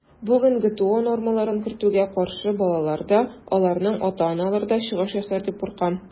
Бүген ГТО нормаларын кертүгә каршы балалар да, аларның ата-аналары да чыгыш ясар дип куркам.